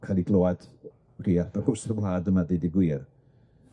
ca'l ei glwad ar drawst y wlad yma, deud y gwir.